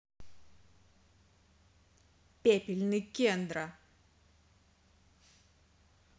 пепельный кендра